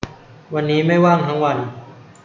วันนี้ไม่ว่างทั้งวัน